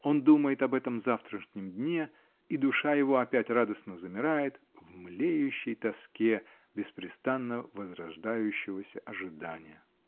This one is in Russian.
Он думает об этом завтрашнем дне -- и душа его опять радостно замирает в млеющей тоске беспрестанно возрождающегося ожидания!